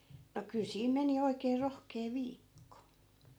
no kyllä siinä meni oikein rohkea viikko